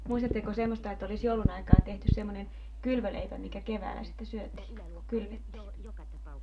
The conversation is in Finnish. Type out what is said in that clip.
muistatteko semmoista että olisi joulun aikaan tehty semmoinen kylvöleipä mikä keväällä sitten syötiin kun kylvettiin